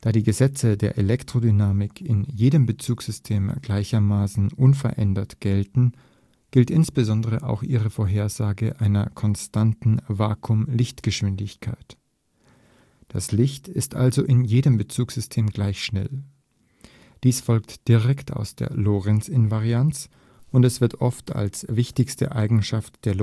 die Gesetze der Elektrodynamik in jedem Bezugssystem gleichermaßen unverändert gelten, gilt insbesondere auch ihre Vorhersage einer konstanten Vakuum-Lichtgeschwindigkeit. Das Licht ist also in jedem Bezugssystem gleich schnell. Dies folgt direkt aus der Lorentz-Invarianz, und es wird oft als wichtigste Eigenschaft der